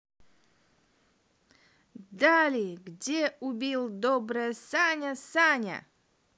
dali где убил добрая саня саня